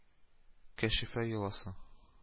Кәшифә еласа